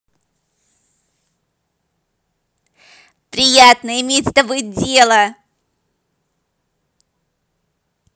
приятно иметь с тобой дело